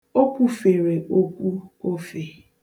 O kwufere okwu ofe.